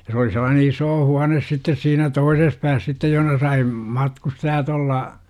ja se oli sellainen iso huone sitten siinä toisessa päässä sitten jossa sai matkustajat olla